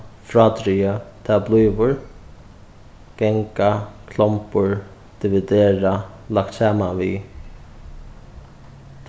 frádraga tað blívur ganga klombur dividera lagt saman við